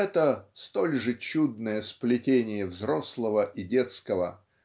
это столь же чудное сплетение взрослого и детского